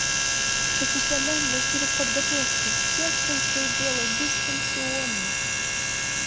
профессиональная переподготовка сестринское дело дистанционно